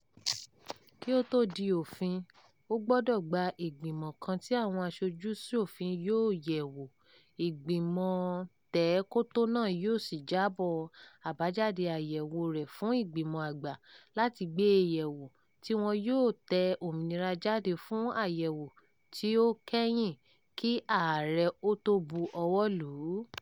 Kí ó tó di òfin, ó gbọdọ̀ gba ìgbìmọ̀ kan tí àwọn aṣojú-ṣòfin yóò yẹ̀ ẹ́ wò. Ìgbìmọ̀ọtẹ̀ẹ́kótó náà yóò sì jábọ̀ àbájáde àyẹ̀wòo rẹ̀ fún Ìgbìmọ̀ àgbà, láti gbé e yẹ̀ wò, tí wọn yóò tẹ òmíràn jáde fún àyẹ̀wò tí ó kẹ́yìn, kí ààrẹ ó tó bu ọwọ́ lù ú.